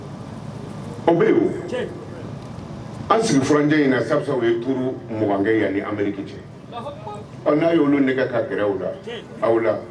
Bɛ an sigiuranjɛ in naw ye mugankɛ yan an kɛ n'a ye ne ka gɛrɛ la la